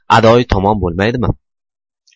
adoyi tamom bo'lmaydimi